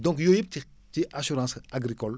donc yooyu yëpp ci ci assurance agricole